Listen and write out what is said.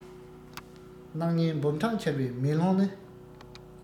སྣང བརྙན འབུམ ཕྲག འཆར བའི མེ ལོང ནི